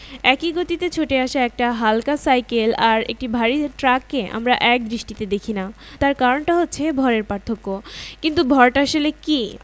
সমবেগে চলতে থাকা কোনো বস্তু যদি থেমে যায় তাহলে বুঝতে হবে সেখানে কোনো না কোনোভাবে বল প্রয়োগ করা হয়েছে ঘর্ষণ বাতাসের বাধা এ রকম অনেক কিছু আসলে উল্টো দিক থেকে বল প্রয়োগ করে চলমান একটা বস্তুকে থামিয়ে দেয়